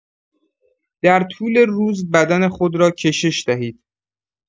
در طول روز بدن خود را کشش دهید.